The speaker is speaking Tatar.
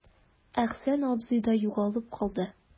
Әхсән абзый да югалып калды.